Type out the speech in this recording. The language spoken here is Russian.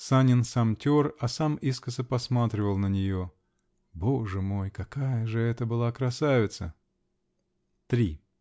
Санин сам тер -- а сам искоса посматривал на нее. Боже мой! какая же это была красавица! Три.